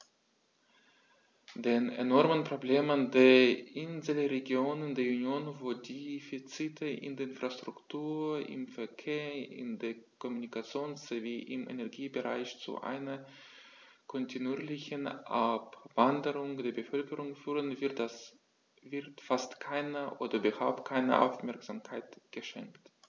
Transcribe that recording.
Den enormen Problemen der Inselregionen der Union, wo die Defizite in der Infrastruktur, im Verkehr, in der Kommunikation sowie im Energiebereich zu einer kontinuierlichen Abwanderung der Bevölkerung führen, wird fast keine oder überhaupt keine Aufmerksamkeit geschenkt.